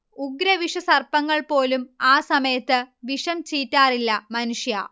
ഉഗ്രവിഷസർപ്പങ്ങൾ പോലും ആ സമയത്ത് വിഷം ചീറ്റാറില്ല മനുഷ്യാ